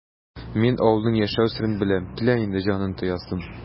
Мин авылның яшәү серен беләм, килә инде җанын тоясым!